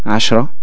عشرة